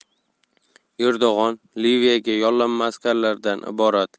erdo'g'on liviyaga yollanma askarlardan iborat